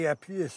Ie pys.